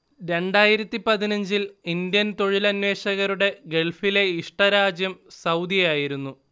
രണ്ടായിരത്തി പതിനഞ്ചില്‍ ഇന്ത്യൻ തൊഴിലന്വേഷകരുടെ ഗൾഫിലെ ഇഷ്ട രാജ്യം സൗദിയായിരുന്നു